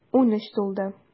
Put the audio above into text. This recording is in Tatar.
Унөч тулды.